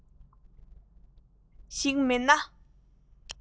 ཞིག མེད ན